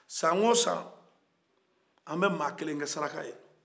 san o san an bɛ maa kelen kɛ saraka ye